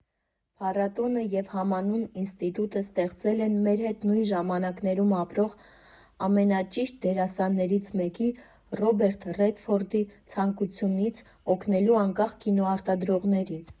Փառատոնը և համանուն իսնտիտուտը ստեղծվել են մեր հետ նույն ժամանակներում ապրող ամենաճիշտ դերասաններից մեկի՝ Ռոբերտ Ռեդֆորդի ցանկությունից՝ օգնելու անկախ կինոարտադրողներին։